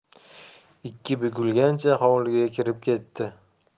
ikki bukilgancha hovliga kirib ketdi